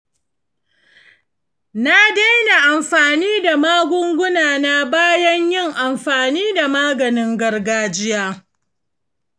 na daina amfani da magungunana bayan yin amfani da maganin gargajiya.